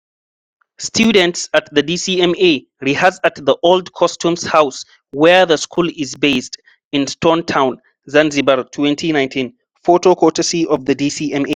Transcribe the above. Students at the DCMA rehearse at the Old Customs House, where the school is based, in Stone Town, Zanzibar, 2019. Photo courtesy of the DCMA.